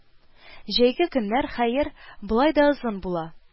Җәйге көннәр, хәер, болай да озын була